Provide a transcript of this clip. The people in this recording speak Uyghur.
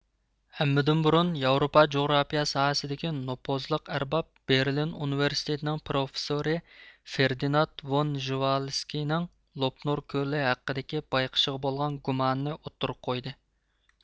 ھەممىدىن بۇرۇن ياۋروپا جۇغراپىيە ساھەسىدىكى نوپۇزلۇق ئەرباب بېرلىن ئۇنىۋېرسىتېتىنىڭ پروفېسسورى فېردىنات ۋون ژېۋالسكىنىڭ لوپنۇر كۆلى ھەققىدىكى بايقىشىغا بولغان گۇمانىنى ئوتتۇرىغا قويدى